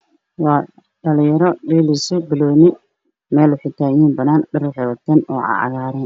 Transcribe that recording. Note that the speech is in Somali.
Waa dhalinyaro dheeleyso banooni waxay taganyihiin meel banaan ah dhar waxay wataan oo cagaaran